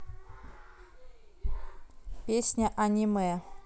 песня аниме